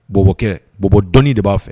Bɔbɔkɛ bɔbɔ dɔnni de ba fɛ.